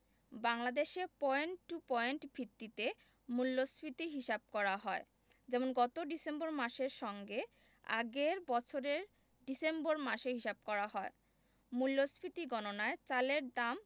বাংলাদেশে point to point ভিত্তিতে মূল্যস্ফীতির হিসাব করা হয় যেমন গত ডিসেম্বর মাসের সঙ্গে আগের বছরের ডিসেম্বর মাসের হিসাব করা হয় মূল্যস্ফীতি গণনায় চালের দাম